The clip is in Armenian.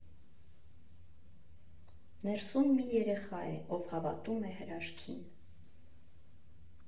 Ներսում մի երեխա է, ով հավատում է հրաշքին.